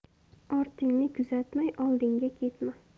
ortingni kuzatmay oldinga ketma